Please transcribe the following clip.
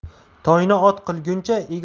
toyni ot qilguncha